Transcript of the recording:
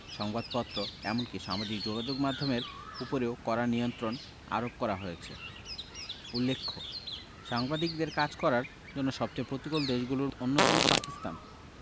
সংবাদপত্র এমনকি সামাজিক যোগাযোগের মাধ্যমের উপরেও কড়া নিয়ন্ত্রণ আরোপ করা হয়েছে উল্লেখ্য সাংবাদিকদের কাজ করার জন্য সবচেয়ে প্রতিকূল দেশগুলোর অন্যতম পাকিস্তান